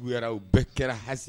U yɛrɛ u bɛɛ kɛra has